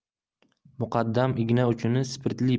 muqaddam igna uchini spirtli